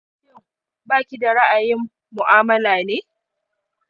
shin baki da ra'ayin mu'amala ne